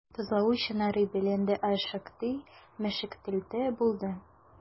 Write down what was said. Тозлау чаннары белән дә эш шактый мәшәкатьле булды.